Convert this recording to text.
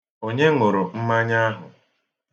Onye ṅụrụ mmanya ahụ?